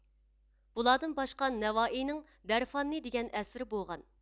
بۇلاردىن باشقا نەۋائىينىڭ دەرفاننى دېگەن ئەسىرى بولغان